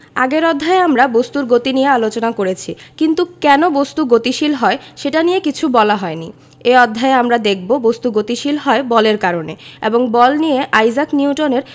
আগের অধ্যায়ে আমরা বস্তুর গতি নিয়ে আলোচনা করেছি কিন্তু কেন বস্তু গতিশীল হয় সেটি নিয়ে কিছু বলা হয়নি এই অধ্যায়ে আমরা দেখব বস্তু গতিশীল হয় বলের কারণে এবং বল নিয়ে আইজাক নিউটনের